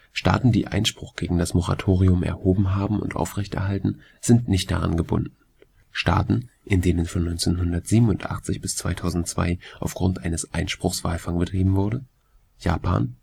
Staaten die Einspruch gegen das Moratorium erhoben haben und aufrechterhalten, sind nicht daran gebunden. Staaten, in denen von 1987 bis 2002 auf Grund eines Einspruchs Walfang betrieben wurde†: Japan